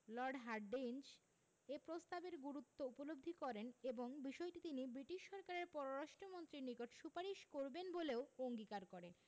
Lord Hardinge এ প্রস্তাবের গুরুত্ব উপলব্ধি করেন এবং বিষয়টি তিনি ব্রিটিশ সরকারের পররাষ্ট্র মন্ত্রীর নিকট সুপারিশ করবেন বলেও অঙ্গীকার করেন